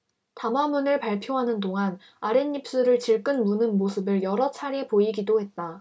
담화문을 발표하는 동안 아랫입술을 질끈 무는 모습을 여러차례 보이기도 했다